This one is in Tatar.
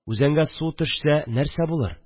Үзәнгә су төшсә нәрсә булыр